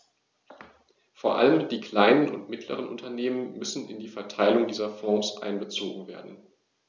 Vor allem die kleinen und mittleren Unternehmer müssen in die Verteilung dieser Fonds einbezogen werden.